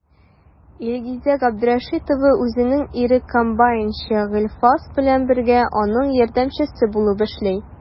Илгизә Габдрәшитова үзенең ире комбайнчы Гыйльфас белән бергә, аның ярдәмчесе булып эшли.